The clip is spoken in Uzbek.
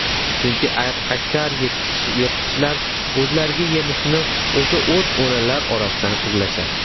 chunki aksar yirtqichlar o'zlariga yemishni o'sha o't o'lanlar orasidan izlashadi